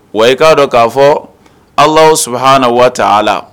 Wa i k'a dɔn k'a fɔ alaaw su h na waati a la